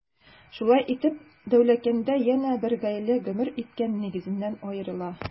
Шулай итеп, Дәүләкәндә янә бер гаилә гомер иткән нигезеннән аерыла.